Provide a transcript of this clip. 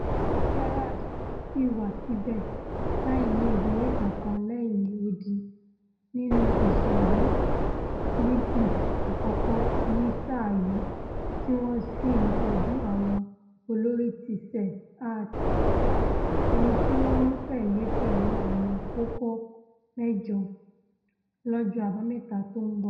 Ẹgbẹ́ ti Gerrard sì wà síbẹ̀ láìní ìbori kankan lẹ́yìn odi nínú Ìṣọ̀rí Líìgí Àkọ́kọ́ ní sáà yìí tí wọ́n sí ńkojú àwọn olóri tííṣe Hearts, ẹniti wọ́n ńtẹ̀lé pẹ̀lú àmì kókó mẹ́jọ, lọ́jọ́ Àbámẹ́ta tó ńbọ̀.